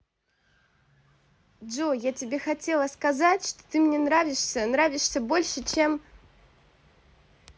джой я тебе хотела сказать что ты мне нравишься нравишься больше чем